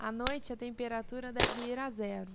à noite a temperatura deve ir a zero